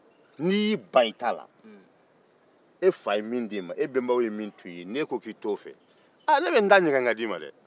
e fa n'i bɛnbakɛw ye min to i ye n'i y'i ban o la ne bɛ n ta ɲɛgɛn ka di i ma dɛ